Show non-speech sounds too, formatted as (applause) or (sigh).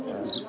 (crosstalk) (hesitation)